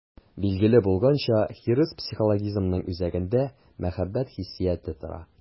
Билгеле булганча, хирыс психологизмының үзәгендә мәхәббәт хиссияте тора.